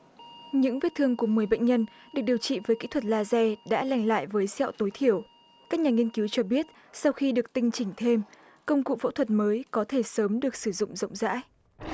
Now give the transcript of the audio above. những vết thương của mười bệnh nhân được điều trị với kỹ thuật laser đã lành lại với sẹo tối thiểu các nhà nghiên cứu cho biết sau khi được tinh chỉnh thêm công cụ phẫu thuật mới có thể sớm được sử dụng rộng rãi